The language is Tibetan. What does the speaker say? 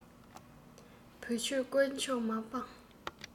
བོད ཆོས དཀོན མཆོག མ སྤངས